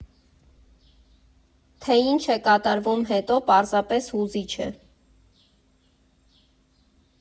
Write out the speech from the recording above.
Թե ինչ է կատարվում հետո, «պարզապես հուզիչ է»։